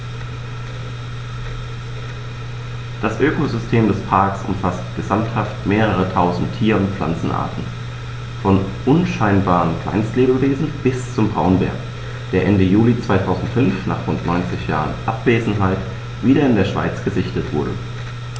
Das Ökosystem des Parks umfasst gesamthaft mehrere tausend Tier- und Pflanzenarten, von unscheinbaren Kleinstlebewesen bis zum Braunbär, der Ende Juli 2005, nach rund 90 Jahren Abwesenheit, wieder in der Schweiz gesichtet wurde.